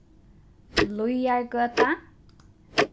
líðargøta